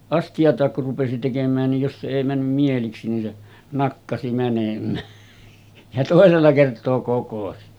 astiaa kun rupesi tekemään niin jos se ei mennyt mieliksi niin se nakkasi menemään ja toisella kertaa kokosi